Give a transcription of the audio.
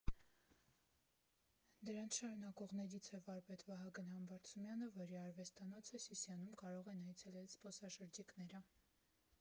Դրանց շարունակողներից է վարպետ Վահագն Համբարձումյանը, որի արվեստանոցը Սիսիանում կարող են այցելել զբոսաշրջիկները։